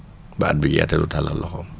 ba at bi jeex te du tàllal loxoom